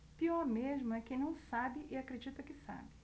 pior mesmo é quem não sabe e acredita que sabe